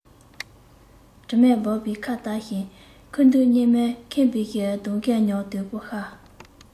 དྲི མས སྦགས པའི ཁ བཏགས ཤིག ཁུར འདུག གཉེར མས ཁེངས པའི གདོང རྒས ཉམས དོད པོ ཤར